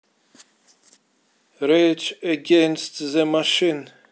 рейдж эгейнст зе машин